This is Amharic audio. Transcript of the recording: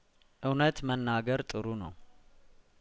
እውነት መናገር ጥሩ ነው